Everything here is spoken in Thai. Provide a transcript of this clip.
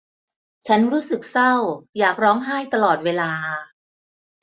ฉันรู้สึกเศร้าอยากร้องไห้ตลอดเวลา